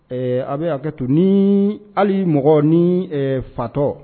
Ɛɛ a bɛ hakɛ to ni hali mɔgɔ ni fatɔ